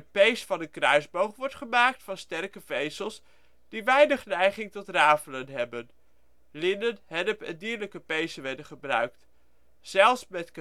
pees van een kruisboog wordt gemaakt van sterke vezels die weinig neiging tot rafelen hebben. Linnen, hennep en dierlijke pezen werden gebruikt. Zelfs met